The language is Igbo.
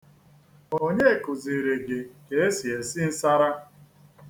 Onye kụziiri gị ka e si esi nsara?